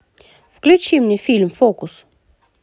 включи мне фильм фокус